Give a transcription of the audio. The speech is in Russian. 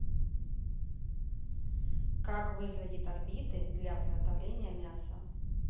как выглядит орбиты для приготовления мяса